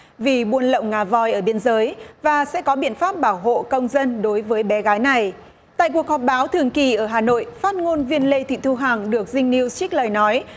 vì buôn lậu ngà voi ở biên giới và sẽ có biện pháp bảo hộ công dân đối với bé gái này tại cuộc họp báo thường kỳ ở hà nội phát ngôn viên lê thị thu hằng được dinh niu trích lời nói